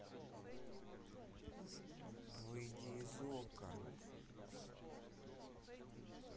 выйди из okko